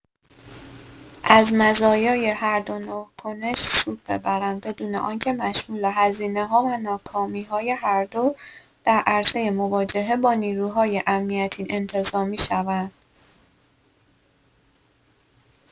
از مزایای هر دو نوع کنش سود ببرند، بدون آنکه مشمول هزینه‌ها و ناکامی‌های هر دو در عرصه مواجهه با نیروهای امنیتی انتظامی شوند.